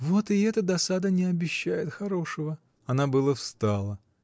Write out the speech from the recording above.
— Вот и эта досада не обещает хорошего! Она было встала.